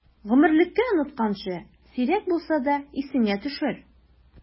Гомерлеккә онытканчы, сирәк булса да исеңә төшер!